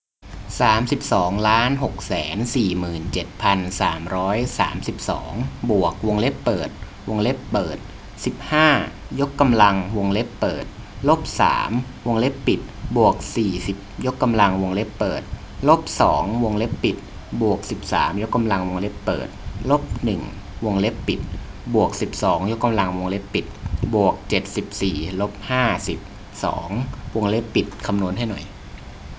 สามสิบสองล้านหกแสนสี่หมื่นเจ็ดพันสามร้อยสามสิบสองบวกวงเล็บเปิดวงเล็บเปิดสิบห้ายกกำลังวงเล็บเปิดลบสามวงเล็บปิดบวกสิบสี่ยกกำลังวงเล็บเปิดลบสองวงเล็บปิดบวกสิบสามยกกำลังวงเล็บเปิดลบหนึ่งวงเล็บปิดบวกสิบสองวงเล็บปิดบวกเจ็ดสิบสี่ลบห้าสิบสองวงเล็บปิดคำนวณให้หน่อย